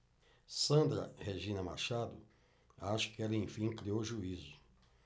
sandra regina machado acho que ela enfim criou juízo